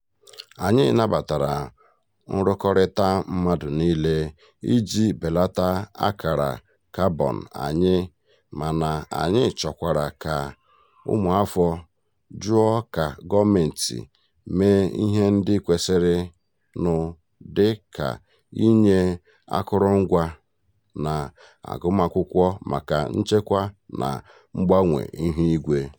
Anyị nabatara nrụkọrịta mmadụ niile iji belata akara Kabọn anyị mana anyị chọkwara ka ụmụafọ jụọ ka gọọmentị mee ihe ndị kwesịrịnụ dịka ịnye akụrụngwa, na agụmakwụkwọ maka nchekwa na mgbanwe ihuigwe.